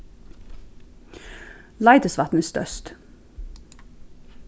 leitisvatn er størst